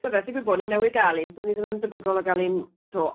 Byddai. Digwydd bod ni newydd gael un, so ni ddim yn debygol o gael un eto.